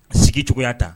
A sigi cogoya ta